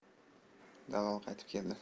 dallol qaytib keldi